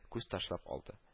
Күз ташлап алды